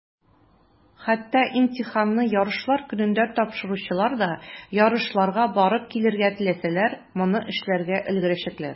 Хәтта имтиханны ярышлар көнендә тапшыручылар да, ярышларга барып килергә теләсәләр, моны эшләргә өлгерәчәкләр.